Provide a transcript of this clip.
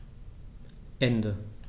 Ende.